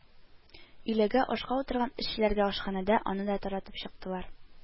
Өйләгә ашка утырган эшчеләргә ашханәдә аны таратып чыктылар